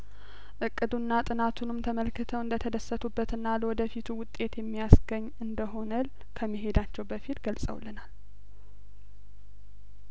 እቅዱና ጥናቱንም ተመልክተው እንደተደሰቱ በትና ለወደፊቱ ውጤት የሚያስገኝ እንደሆነል ከመሄዳቸው በፊት ገልጸውልናል